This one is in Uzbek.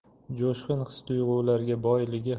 jo'shqin his tuyg'ularga boyligi